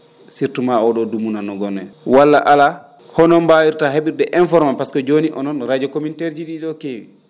surout maa o?oo dumunna mbo ngon?en walla alaa honoo mbaawirtaa he?irde information pasque jooni onon radio communtaire ji ?i ?oo keewi